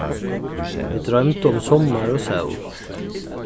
vit droymdu um summar og sól